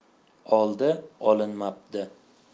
oldi olinmabdi